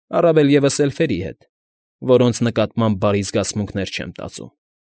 Առավել ևս էլֆերի հետ, որոնց նկատմամբ բարի զգացմունքներ չեմ տածում։